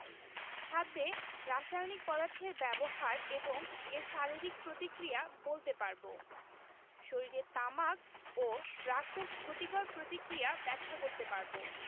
খাদ্যে রাসায়নিক পদার্থের ব্যবহার এবং এর শারীরিক প্রতিক্রিয়া বলতে পারব শরীরে তামাক ও ড্রাগসের ক্ষতিকর প্রতিক্রিয়া ব্যাখ্যা করতে পারব